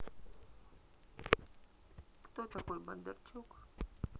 кто такой бондарчук